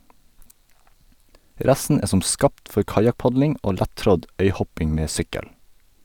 Resten er som skapt for kajakkpadling og lett-trådd øyhopping med sykkel.